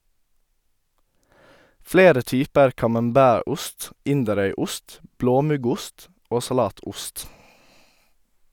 Flere typer camembert-ost, Inderøyost, blåmuggost og salatost.